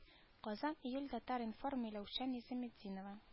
Казан июль татар-информ миләүшә низаметдинова